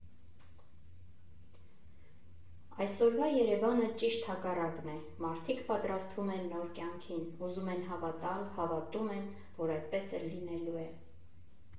Այսօրվա Երևանը ճիշտ հակառակն է՝ մարդիկ պատրաստվում են նոր կյանքին, ուզում եմ հավատալ, հավատում եմ, որ այդպես էլ լինելու է։